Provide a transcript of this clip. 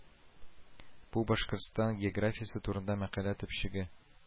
Бу Башкортстан географиясе турында мәкалә төпчеге